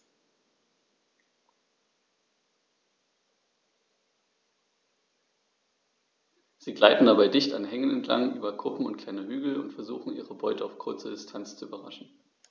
Sie gleiten dabei dicht an Hängen entlang, über Kuppen und kleine Hügel und versuchen ihre Beute auf kurze Distanz zu überraschen.